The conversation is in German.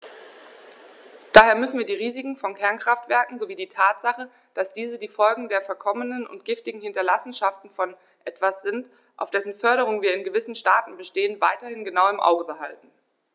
Daher müssen wir die Risiken von Kernkraftwerken sowie die Tatsache, dass diese die Folgen der verkommenen und giftigen Hinterlassenschaften von etwas sind, auf dessen Förderung wir in gewissen Staaten bestehen, weiterhin genau im Auge behalten.